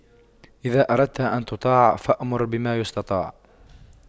إذا أردت أن تطاع فأمر بما يستطاع